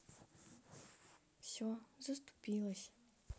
все заступилась